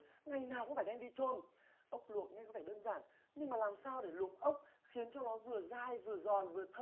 ngày nào cũng phải đem đi chôn ốc luộc nghe có vẻ đơn giản nhưng mà làm sao để luộc ốc khiến cho nó vừa dai vừa giòn vừa thơm